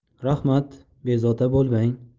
rahmat bezovta bo'lmang